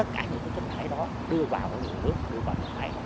tất cả những thứ chất thải đó đưa vào nguồn nước đưa vào nhà máy